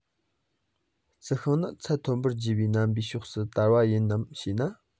རྩི ཤིང ནི ཚད མཐོན པོར རྒྱས པའི རྣམ པའི ཕྱོགས སུ དར པ ཡིན ནམ ཞེ ན